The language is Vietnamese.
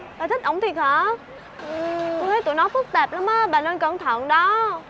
bà thích ổng thật hả tui thấy tụi nó phức tạp lắm ớ bà nên cẩn thận đó